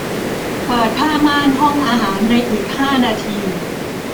เปิดผ้าม่านห้องอาหารในอีกห้านาที